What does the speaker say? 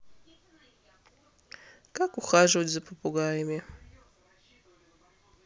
как ухаживать за попугаями